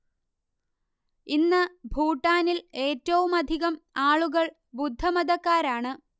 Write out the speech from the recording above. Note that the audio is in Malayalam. ഇന്ന് ഭൂട്ടാനിൽ ഏറ്റവുമധികം ആളുകൾ ബുദ്ധമതക്കാരാണ്